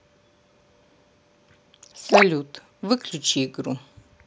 салют выключи игру